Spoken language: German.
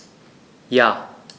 Ja.